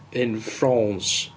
In France.